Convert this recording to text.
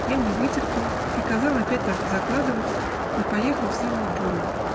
я не вытерпел, приказал опять закладывать и поехал в самую бурю.